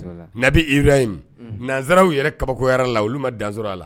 Nabi Ibarahimu, nansaraw yɛrɛ kabakoyara a la olu ma dan sɔrɔ a la